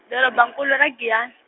doroba nkulu ra Giyani.